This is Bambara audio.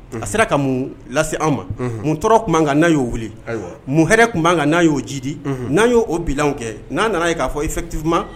A sera ka mun lase anw ma mun tɔɔrɔ tun b' kan n naa y'o weele mun hɛrɛɛ tun' kan n'a y'o jidi n'an y'o bila kɛ n'a nana yen k'a fɔ i fɛti